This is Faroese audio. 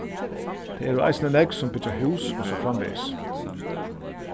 tað eru eisini nógv sum byggja hús og so framvegis